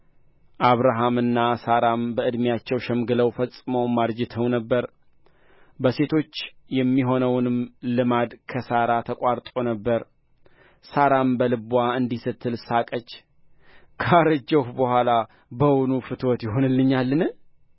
አብርሃምና ሣራም በዕድሜአቸው ሸምግለው ፈጽመው አርጅተው ነበር በሴቶች የሚሆነውም ልማድ ከሣራ ተቋርጦ ነበር ሣራም በልብዋ እንዲህ ስትል ሳቀች ካረጀሁ በኋላ በውኑ ፍትወት ይሆንልኛልን